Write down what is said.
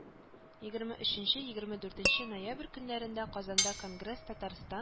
Йөгерме өченче-йөгерме дүртенче ноябрь көннәрендә казанда конгресс татарстан